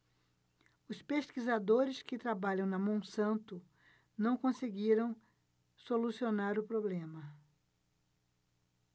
os pesquisadores que trabalham na monsanto não conseguiram solucionar o problema